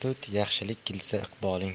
yaxshilik kelsa iqboling